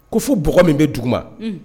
Ko fo bugɔ min bɛ dugu ma, un.